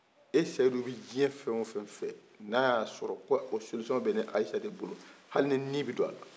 e seyidu bi diɲɛ fɛn o fɛn fɛ na y'a sɔrɔ o solution bɛ ne ayisa de bolo hali ni ni bɛ to a la